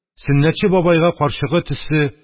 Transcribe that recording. . сөннәтче бабайга карчыгы төсе